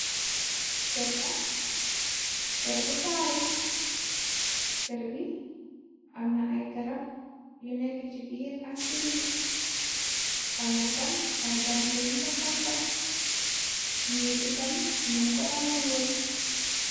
kërr la kerr bu taaru kerr bi amna ay garab yu neka ci biir ak ci biti amna itam ay banta yuñ fa sampa mbiir itam mun ko daal di wer.